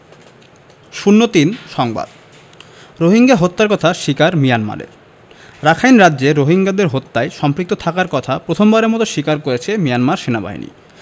০৩ সংবাদ রোহিঙ্গা হত্যার কথা স্বীকার মিয়ানমারের রাখাইন রাজ্যে রোহিঙ্গাদের হত্যায় সম্পৃক্ত থাকার কথা প্রথমবারের মতো স্বীকার করেছে মিয়ানমার সেনাবাহিনী